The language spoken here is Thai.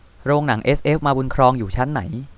โรงหนังเอสเอฟมาบุญครองอยู่ชั้นไหน